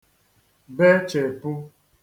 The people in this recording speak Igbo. bechèpu